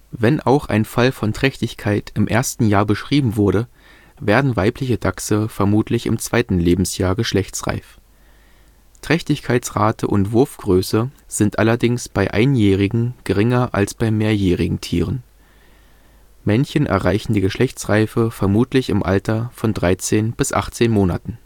Wenn auch ein Fall von Trächtigkeit im ersten Jahr beschrieben wurde, werden weibliche Dachse vermutlich im zweiten Lebensjahr geschlechtsreif. Trächtigkeitsrate und Wurfgröße sind allerdings bei einjährigen geringer als bei mehrjährigen Tieren. Männchen erreichen die Geschlechtsreife vermutlich im Alter von 13 bis 18 Monaten